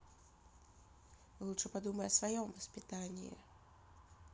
лучше подумай о своем воспитании